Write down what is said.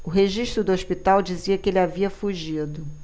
o registro do hospital dizia que ele havia fugido